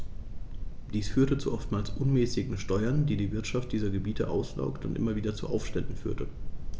Dies führte zu oftmals unmäßigen Steuern, die die Wirtschaft dieser Gebiete auslaugte und immer wieder zu Aufständen führte.